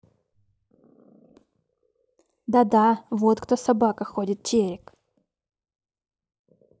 да да вот кто собака ходит черик